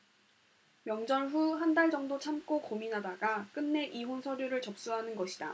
명절 후 한달 정도 참고 고민하다가 끝내 이혼 서류를 접수하는 것이다